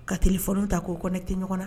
Kaeli fɔlɔ ta'o ne tɛ ɲɔgɔn na